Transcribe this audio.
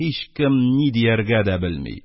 Һичкем ни дияргә дә белми.